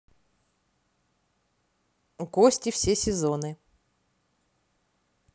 кости все сезоны